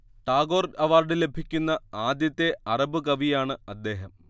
Tagore award ലഭിക്കുന്ന ആദ്യത്തെ Arab കവിയാണ് അദ്ദേഹം